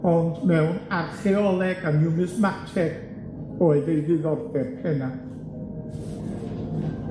Ond mewn archeoleg a miwmismateg oedd ei ddiddordeb penna.